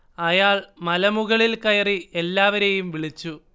അയാൾ മലമുകളിൽ കയറി എല്ലാവരെയും വിളിച്ചു